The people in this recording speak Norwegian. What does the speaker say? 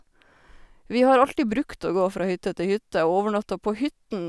Vi har alltid brukt å gå fra hytte til hytte og overnatta på hyttene.